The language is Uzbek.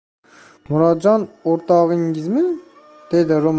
murodjon o'rtog'ingizmi dedi